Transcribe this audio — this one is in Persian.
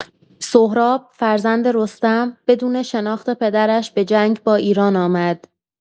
سهراب، فرزند رستم، بدون شناخت پدرش به جنگ با ایران آمد.